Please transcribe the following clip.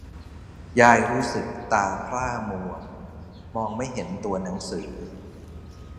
ยายรู้สึกตาพร่ามัวมองไม่เห็นตัวหนังสือ